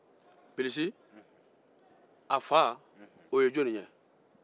bilisi fa ye jɔnni ye